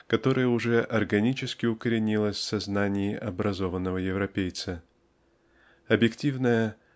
которое уже органически укоренилось в сознании образованного европейца. Объективное